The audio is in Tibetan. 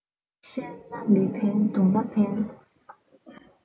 བཤད ན མི ཕན རྡུང ན ཕན